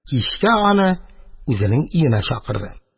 Кичкә аны үзенең өенә чакырды.